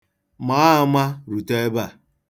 Maa ama rute ebe a.